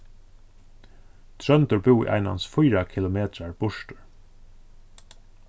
tróndur búði einans fýra kilometrar burtur